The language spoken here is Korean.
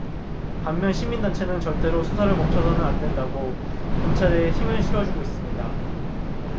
반면 시민단체는 절대로 수사를 멈춰서는 안 된다고 검찰에 힘을 실어주고 있습니다